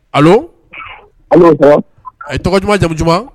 A ye tɔgɔ ɲuman jamu duman